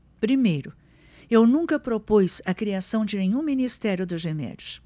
primeiro eu nunca propus a criação de nenhum ministério dos remédios